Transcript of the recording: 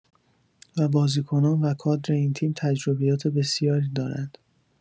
و بازیکنان و کادر این تیم تجربیات بسیاری دارند.